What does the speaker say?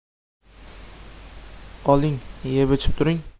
oling yeb ichib turing